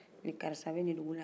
kaarisa bɛ nin dugu la